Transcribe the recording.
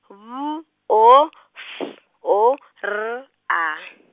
B O F O R A .